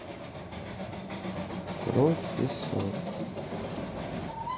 кровь песок